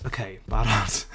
Oce barod?